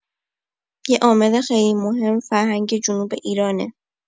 یه عامل خیلی مهم، فرهنگ جنوب ایرانه.